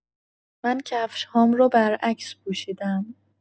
من کفش‌هام رو برعکس پوشیدم.